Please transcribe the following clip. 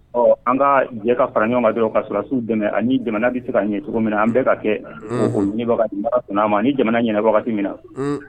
Ɔ an kaa jɛ ka fara ɲɔgɔn ka dɔrɔn ka surusiw dɛmɛ ani jamana be se ka ɲɛ cogomin na an bɛ ka kɛ unhun o o ɲɛbaga n'Ala sɔnn'a ma ni jamana ɲɛna wagati min na unnn